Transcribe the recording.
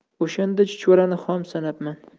o'shanda chuchvarani xom sanabman